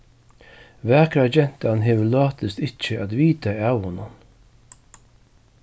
vakra gentan hevur látist ikki at vitað av honum